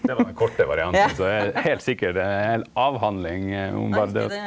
det var den korte varianten så er det heilt sikkert ei heil avhandling om berre det å.